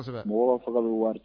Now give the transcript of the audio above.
Kosɛbɛ! Mɔgɔ ka fɔta bɛɛ wari.